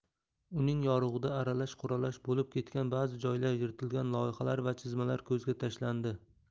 uning yorug'ida aralash quralash bo'lib ketgan bazi joylari yirtilgan loyihalar va chizmalar ko'zga tashlandi